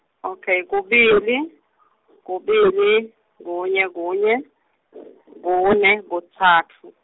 ok, kubili kubili kunye kunye kune kutsatfu.